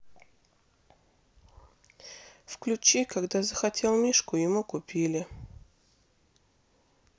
включи когда захотел мишку ему купили